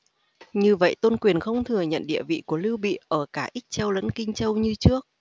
như vậy tôn quyền không thừa nhận địa vị của lưu bị ở cả ích châu lẫn kinh châu như trước